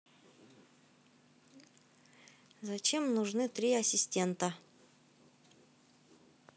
зачем нужны три ассистента